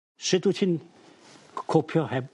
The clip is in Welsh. Shut wyt ti'n c- copio heb